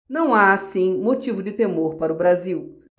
não há assim motivo de temor para o brasil